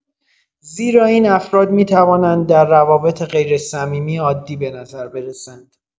زیرا این افراد می‌توانند در روابط غیرصمیمی عادی به نظر برسند.